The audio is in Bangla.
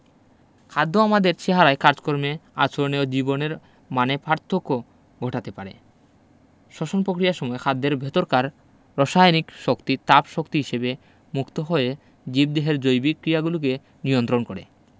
খাদ্য আমাদের চেহারায় কাজকর্মে আচরণে ও জীবনের মানে পার্থক্য ঘটাতে পারে শ্বসন পক্রিয়ার সময় খাদ্যের ভেতরকার রসায়নিক শক্তি তাপ শক্তি হিসেবে মুক্ত হয়ে জীবদেহের জৈবিক ক্রিয়াগুলোকে নিয়ন্ত্রন করে